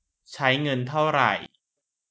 ใช้เงินเท่าไหร่